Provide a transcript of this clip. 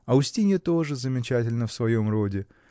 А Устинья тоже замечательна в своем роде.